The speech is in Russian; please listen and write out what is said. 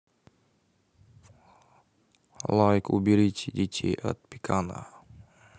лайк уберите детей от пекана